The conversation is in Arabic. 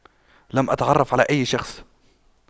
لم أتعرف على أي شخص